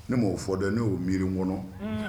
Ne m'o fɔ dɔn ne y'o miiri n kɔnɔ